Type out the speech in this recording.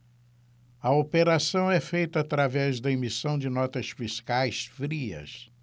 a operação é feita através da emissão de notas fiscais frias